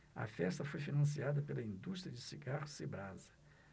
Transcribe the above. a festa foi financiada pela indústria de cigarros cibrasa